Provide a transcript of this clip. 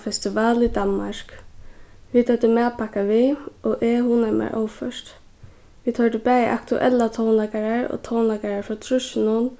festival í danmark vit høvdu matpakka við og eg hugnaði mær óført vit hoyrdu bæði aktuellar tónleikarar og tónleikarar frá trýssunum